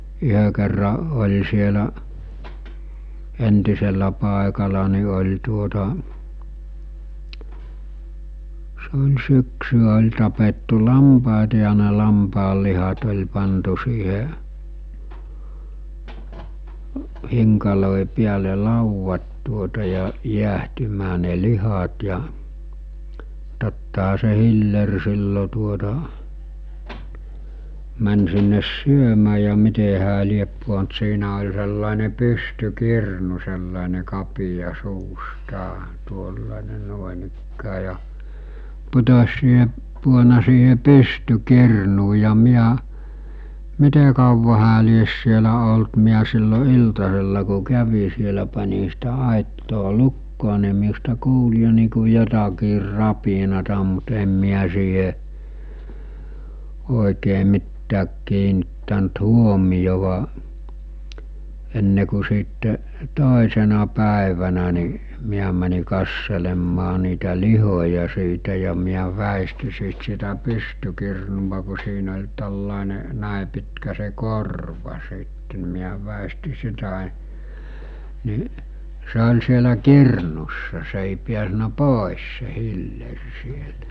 yhden kerran oli siellä entisellä paikalla niin oli tuota se oli syksyä oli tapettu lampaita ja ne lampaanlihat oli pantu siihen hinkaloiden päälle laudat tuota ja jäähtymään ne lihat ja tottahan se hilleri silloin tuota meni sinne syömään ja miten hän lie pudonnut siinä oli sellainen pystykirnu sellainen kapea suustaan tuollainen noinikään ja putosi siihen pudonnut siihen pystykirnuun ja minä miten kauan hän lie siellä ollut minä silloin iltasella kun kävin siellä panin sitä aittaa lukkoon niin minusta kuuli jo niin kuin jotakin rapinaa mutta en minä siihen oikein mitään kiinnittänyt huomiota ennen kuin sitten toisena päivänä niin minä menin katselemaan niitä lihoja siitä ja minä väistin siitä sitä pystykirnua kun siinä oli tällainen näin pitkä se korva sitten niin minä väistin sitä niin se oli siellä kirnussa se ei päässyt pois se hilleri sieltä